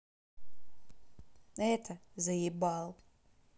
это заебал